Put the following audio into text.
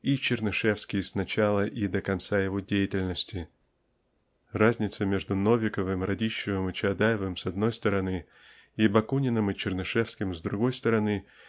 и Чернышевский с начала и до конца его деятельности. Разница между Новиковым Радищевым и Чаадаевым с одной стороны и Бакуниным и Чернышевским с другой стороны